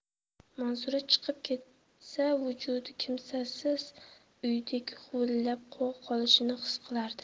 manzura chiqib ketsa vujudi kimsasiz uydek huvillab qolishini his qilardi